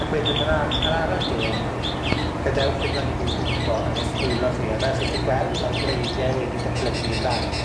ac wedyn yn ar- yn ara deg, gadewch i'r blanhigyn gwmpo yn eich dwylo chi, a fel chi 'llu gweld, ma'r gwreiddie wedi datblygu'n dda.